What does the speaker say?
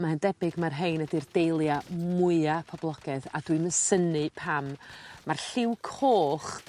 mae yn debyg ma'r rhein ydi'r dahlia mwya poblogedd a dwi'm yn synnu pam ma'r lliw coch